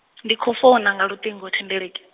ndi khou founa nga luṱingo thendeleki.